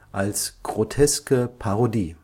als groteske Parodie